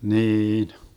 niin